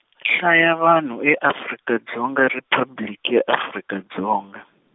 Nhlaya-vanhu e Afrika Dzonga Riphabliki ya Afrika Dzonga.